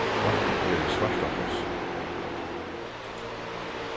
vatn er í svartafossi